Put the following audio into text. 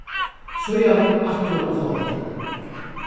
síðan aftur á flogvøllin